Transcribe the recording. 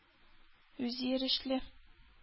Үзйөрешле